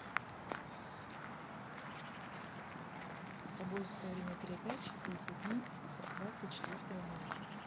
тобольское время передачи десять дней от двадцать четвертого мая